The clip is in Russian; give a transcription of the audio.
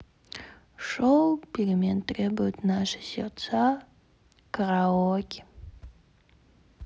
шоу перемен требуют наши сердца караоке